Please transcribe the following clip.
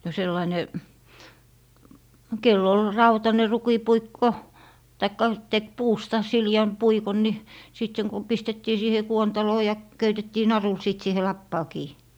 no sellainen kenellä oli rautainen rukinpuikko tai teki puusta sileän puikon niin sitten sen kun pistettiin siihen kuontaloon ja köytettiin narulla sitten siihen lapaan kiinni